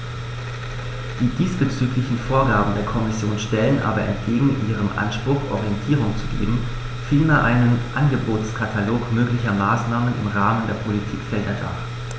Die diesbezüglichen Vorgaben der Kommission stellen aber entgegen ihrem Anspruch, Orientierung zu geben, vielmehr einen Angebotskatalog möglicher Maßnahmen im Rahmen der Politikfelder dar.